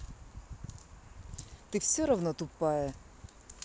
ты все равно тупая